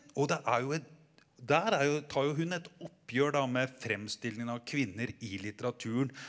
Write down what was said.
og det er jo et der er jo tar jo hun et oppgjør da med fremstillingen av kvinner i litteraturen.